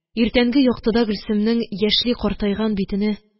Иртәнге яктыда Гөлсемнең яшьли картайган битене